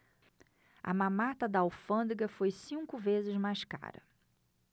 a mamata da alfândega foi cinco vezes mais cara